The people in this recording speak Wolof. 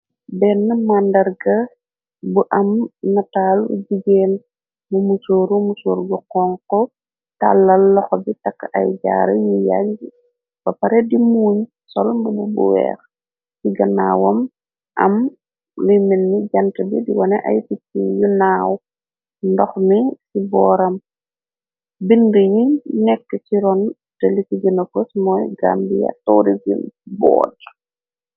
Benn màndar ga bu am nataalu jigeen bu musuuru musuur gu xon ko tàllal loxo bi taq ay jaare yu yaj gi ba pare di muuñ solmbabu bu weex ci ganaawam am luy menni jant bi diwane ay tikki yu naaw ndox ni ci booram bind yi nekk ci roon teli ci gënapos mooy gambia torisi bood.